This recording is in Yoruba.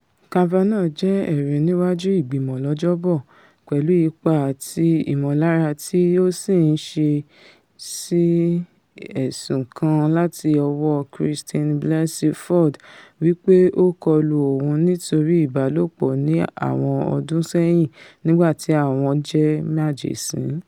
Kavanaugh jẹ́ ẹ̀rí niwaju Ìgbìmọ̀ lọ́jọ́ 'Bọ̀, pẹ̀lú ipá àti ìmọ̀lára tí ó sì ńṣẹ́ sí ẹ̀sùn kan láti ọwọ́ Christine Blasey Ford wí pé ó kọlu òun nítorí ìbálòpọ̀ ní awọn ọdún sẹ́yìn nígbàti àwọn jẹ́ màjèsín.